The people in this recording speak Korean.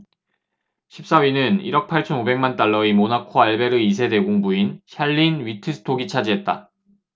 십 사 위는 일 억 팔천 오백 만 달러의 모나코 알베르 이 세 대공 부인 샬린 위트스톡이 차지했다